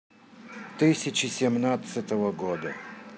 тысячи семнадцатого года